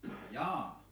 jaa